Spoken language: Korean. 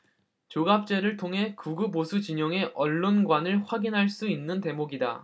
조갑제를 통해 극우보수진영의 언론관을 확인할 수 있는 대목이다